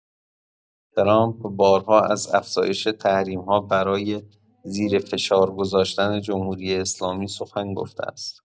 ترامپ بارها از افزایش تحریم‌ها برای زیر فشار گذاشتن جمهوری‌اسلامی سخن گفته است.